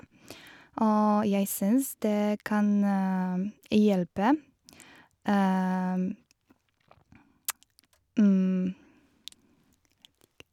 Og jeg syns det kan hjelpe Jeg vet ikke.